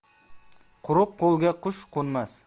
quruq qo'lga qush qo'nmas